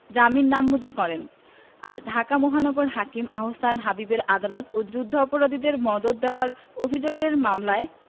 জামিন নামঞ্জুর করেন আর ঢাকা মহানগর হাকিম আহসান হাবীবের আদালত যুদ্ধাপরাধীদের মদদ দেওয়ার অভিযোগের মামলায়